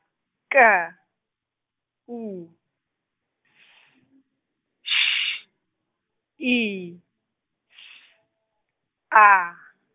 K, U, S, sh-, I, S , A.